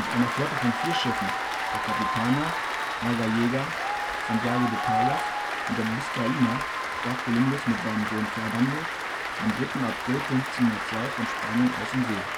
einer Flotte von vier Schiffen, der „ Capitana “,„ La Gallega “(die Galizierin), „ Santiago de Palos “und der „ Vizcaína “, stach Kolumbus mit seinem Sohn Fernando am 3. April 1502 von Spanien aus in See